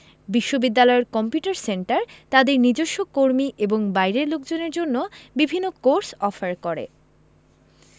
বিশ্ববিদ্যালয়ের computer centre তাদের নিজস্ব কর্মী এবং বাইরের লোকজনের জন্য বিভিন্ন কোর্স অফার করে